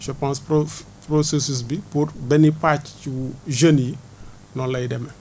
je pense pro processus bi pour benn pàccu jeune yi noonu lay demee